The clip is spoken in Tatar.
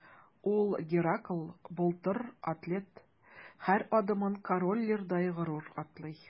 Ул – Геракл, Былтыр, атлет – һәр адымын Король Лирдай горур атлый.